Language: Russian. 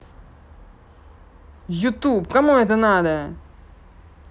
youtube кому это надо